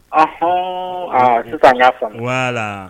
Ɔnhɔɔn a sisan y'a faamu, voilà